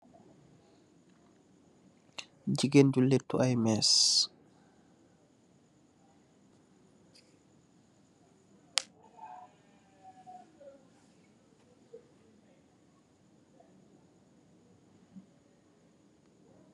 Jigeen ju lehtu aiiy meeche.